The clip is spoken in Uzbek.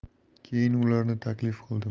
keyin ularni taklif